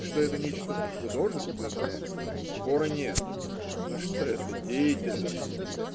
Что это нечто художественное - спора нет, но что это деятельность.